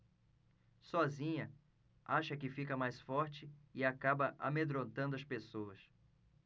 sozinha acha que fica mais forte e acaba amedrontando as pessoas